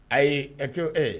Ayi ɛc eee